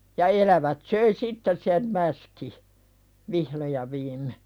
ja elävät söi sitten sen mäskin vihdoin ja viimein